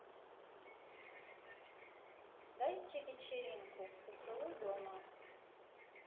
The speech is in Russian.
дайте вечеринку поцелуй дома